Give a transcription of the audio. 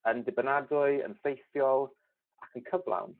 yn dibynadwy yn ffeithiol ac yn cyflawn